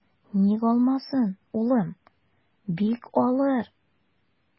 Ник алмасын, улым, бик алыр.